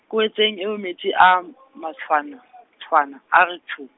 kweetseng eo metsi a matshwana, tshwana, a re tsho.